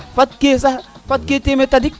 fad ke sax fad ke temed tadik